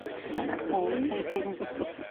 Dyna lyfli. O exciting.